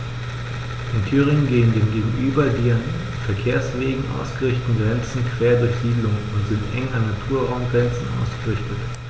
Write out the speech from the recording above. In Thüringen gehen dem gegenüber die an Verkehrswegen ausgerichteten Grenzen quer durch Siedlungen und sind eng an Naturraumgrenzen ausgerichtet.